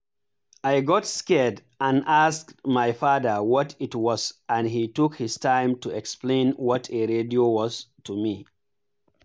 I got scared and asked my father what it was and he took his time to explain what a radio was to me.